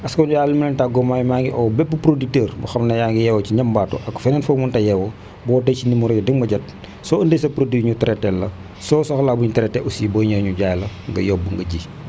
askan wi daal li ma leen di tàggoo mooy oo bépp producteur boo xam ne yaa ngi yeewoo ci ñombaato ak feneen foo mënta yeewoo boo wootee si numéros yii di nga ma jot soo ëndee sa produit ñu traité teel la soo soxlaa bu ñu traité aussi boo ñëwee ñu jaay la nga yóbbu nga ji